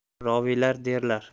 roviylar derlar